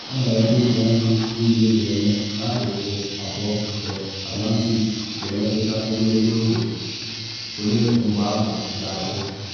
Enwere mkpebi anyị niile ga-eme n’akụkụ abụọ nke Atlantik ga-emetụta ogologo oge ole mgba ahụ ga-abụ.